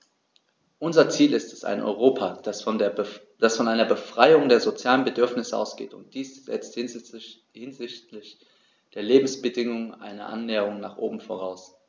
Unser Ziel ist ein Europa, das von einer Befriedigung der sozialen Bedürfnisse ausgeht, und dies setzt hinsichtlich der Lebensbedingungen eine Annäherung nach oben voraus.